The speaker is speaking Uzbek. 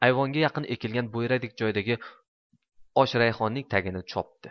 ayvonga yaqin ekilgan bo'yradek joydagi oshrayhonning tagini chopdi